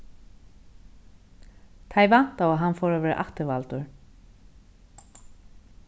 tey væntaðu hann fór at verða afturvaldur